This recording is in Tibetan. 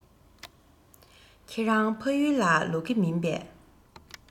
ཁྱེད རང ཕ ཡུལ ལ ལོག གི མིན པས